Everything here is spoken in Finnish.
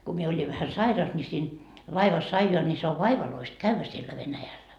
kun minä olin vähän sairas niin siinä laivassa ajaa niin se on vaivalloista käydä siellä Venäjällä